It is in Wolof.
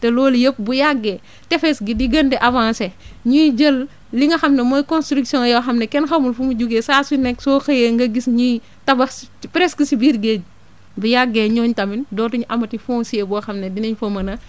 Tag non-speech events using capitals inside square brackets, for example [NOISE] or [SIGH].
te loolu yëpp bu yàggee [BREATH] tefes gi di gën di avancer [BREATH] ñuy jël li nga xam ne mooy constructions yoo xam ne kenn xamul fu mu jugee saa su nekk soo xëyee nga gis ñuy tabax presque si biir géej bu yàggee ñooñu tamit dootuñu amati foncier boo xam ne dinañ fa mën a